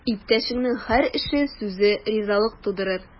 Иптәшеңнең һәр эше, сүзе ризалык тудырыр.